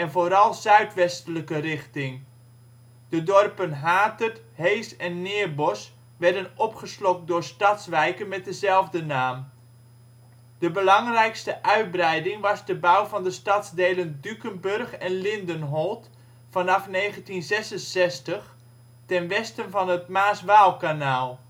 vooral zuidwestelijke richting. De dorpen Hatert, Hees en Neerbosch werden opgeslokt door stadswijken met dezelfde naam. De belangrijkste uitbreiding was de bouw van de stadsdelen Dukenburg en Lindenholt vanaf 1966, ten westen van het Maas-Waalkanaal